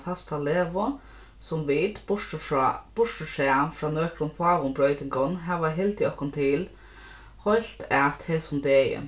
fasta legu sum vit burturfrá burtursæð frá nøkrum fáum broytingum hava hildið okkum til heilt at hesum degi